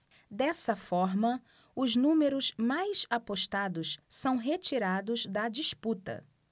dessa forma os números mais apostados são retirados da disputa